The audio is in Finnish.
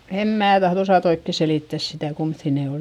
en minä tahdo osata oikein selittää sitä kummoisia ne oli